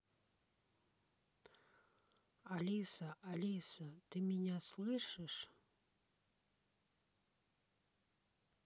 алиса алиса ты меня слышишь